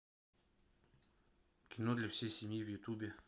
кино для всей семьи в ютубе